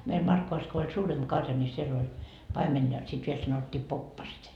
meillä Markkovassa kun oli suurempi karja niin siellä oli paimen ja sitten vielä sanottiin poppaset